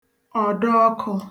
ọ̀dọọkụ̄